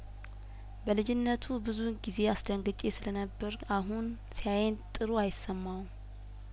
በልጅነቱ ብዙ ጊዜ አስደንግጬ ስለነበር አሁንም ሲያየኝ ጢሩ አይሰማውም